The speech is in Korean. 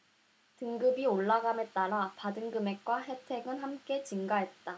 등급이 올라감에 따라 받은 금액과 혜택은 함께 증가했다